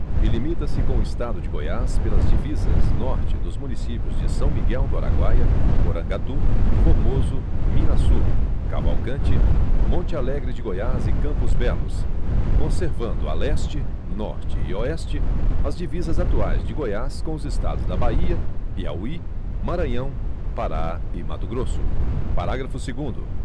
e limita se com o estado de goiás pelas divisas norte dos municípios de são miguel do araguaia porangatu formoso minaçu cavalcante monte alegre de goiás e campos belos conservando a leste norte e oeste as divisas atuais de goiás com os estados da bahia piauí maranhão pará e mato grosso parágrafo segundo